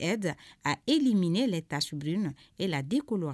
Aide à éliminer les taches brunes et la de